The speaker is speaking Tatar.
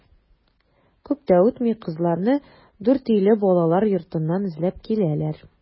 Күп тә үтми кызларны Дүртөйле балалар йортыннан эзләп киләләр.